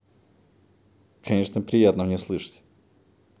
конечно приятно мне слышать